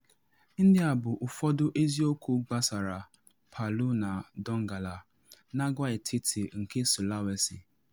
Ndị a bụ ụfọdụ eziokwu gbasara Palu na Donggala, n’agwaetiti nke Sulawesi: